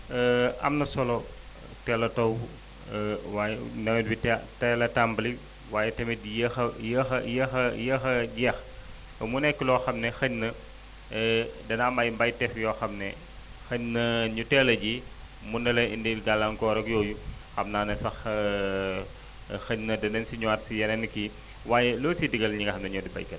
am na solo teel a taw waaye nawet bi teel a tàmbali waaye tamit di yéex a yéex a yéex a yéex a yéex a jeex mu nekk loo xam ne xëy na dana am ay mbayteef yoo xam ne xëy na ñu teel a ji mën na leen indil gàllankoor ak yooyu xam naa ne sax xëy na danañ si ñëwaat si yeeneen i kii waaye loo siy digal ñi nga xam ne ñoo di baykat yi